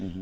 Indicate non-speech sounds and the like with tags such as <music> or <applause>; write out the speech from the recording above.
<hesitation> <hesitation>